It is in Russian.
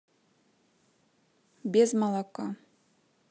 без молока